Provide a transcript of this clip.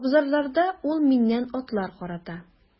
Абзарларда ул миннән атлар карата.